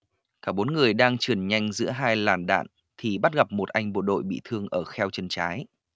cả bốn người đang trườn nhanh giữa hai làn đạn thì bắt gặp một anh bộ đội bị thương ở kheo chân trái